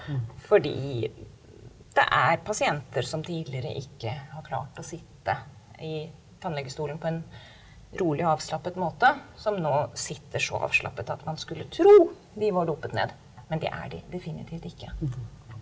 fordi det er pasienter som tidligere ikke har klart å sitte i tannlegestolen på en rolig og avslappet måte som nå sitter så avslappet at man skulle tro de var dopet ned, men det er de definitivt ikke.